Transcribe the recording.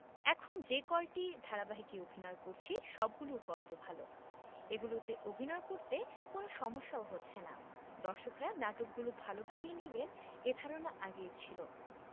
এখন যে কয়টি ধারাবাহিকে অভিনয় করছি সবগুলোর গল্প ভালো এগুলোতে অভিনয় করতে কোনো সমস্যাও হচ্ছে না দর্শকরা নাটকগুলো ভালোভাবেই নেবেন এ ধারণা আগেই ছিল